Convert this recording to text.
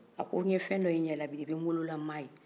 a ko n ye fɛn dɔ ye n ɲɛ na bi depuis n wolola n m'a ye